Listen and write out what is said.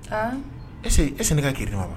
Aa ɛ ese ka kirin ɲɔgɔn wa